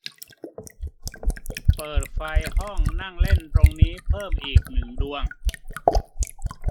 เปิดไฟห้องนั่งเล่นตรงนี้เพิ่มอีกหนึ่งดวง